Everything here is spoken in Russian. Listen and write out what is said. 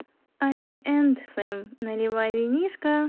ari and sam наливай винишко